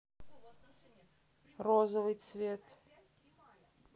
розовый цвет